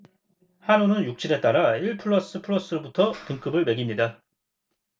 한우는 육질에 따라 일 플러스 플러스부터 등급을 매깁니다